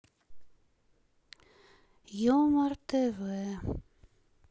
юмор тв